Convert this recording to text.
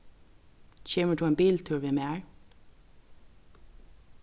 kemur tú ein biltúr við mær